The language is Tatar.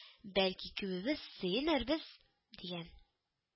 Бәлки, күбебез сөенербез,— дигән